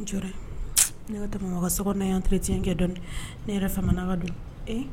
Ne tɛmɛ yan ne yɛrɛ ka don